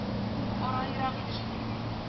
Ара ерак иде шул